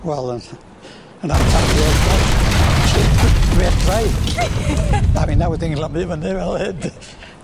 Wel yn ll- yn atab i wrth gwrs sud f- fedra i? a finna wedi nghlymu fyny fel hyn?